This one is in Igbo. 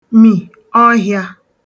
mị̀ ọhịā